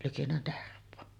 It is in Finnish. liki Tervoa